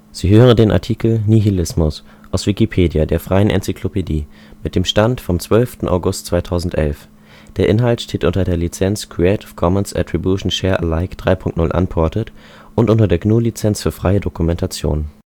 Sie hören den Artikel Nihilismus, aus Wikipedia, der freien Enzyklopädie. Mit dem Stand vom Der Inhalt steht unter der Lizenz Creative Commons Attribution Share Alike 3 Punkt 0 Unported und unter der GNU Lizenz für freie Dokumentation